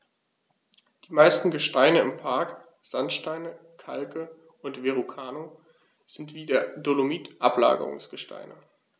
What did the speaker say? Die meisten Gesteine im Park – Sandsteine, Kalke und Verrucano – sind wie der Dolomit Ablagerungsgesteine.